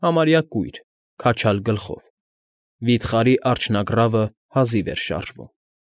Համարյա կույր, քաչալ գլխով, վիթխարի արջնագռավը հազիվ էր շարժվում։